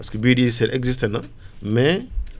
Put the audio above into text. parce que biodigesteur exeister na mais